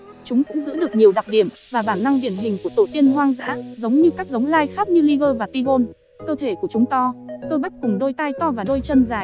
chúng cũng giữ được nhiều đặc điểm và bản năng điển hình của tổ tiên hoang dã giống như các giống lai khác như liger và tigon cơ thể của chúng to cơ bắp cùng đôi tai to và đôi chân dài